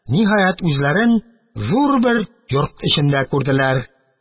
Ниһаять, үзләрен зур бер йорт эчендә күрделәр.